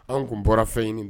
Anw tun bɔra fɛɲini